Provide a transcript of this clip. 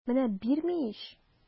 Менә бирми ич!